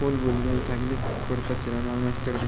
bo'lgan taglik ko'rpachasini almashtirdi